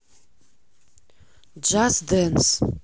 джас денс